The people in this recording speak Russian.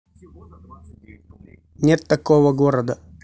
нет такого города